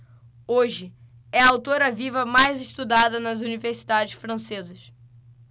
hoje é a autora viva mais estudada nas universidades francesas